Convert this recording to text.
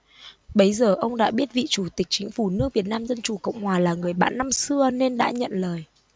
bấy giờ ông đã biết vị chủ tịch chính phủ nước việt nam dân chủ cộng hòa là người bạn năm xưa nên đã nhận lời